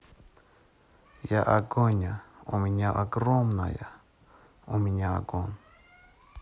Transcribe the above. я агония у меня огромная у меня огонь